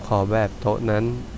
ขอแบบโต๊ะนั้น